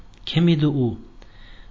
kim edi u